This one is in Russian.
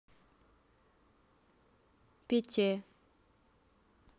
pete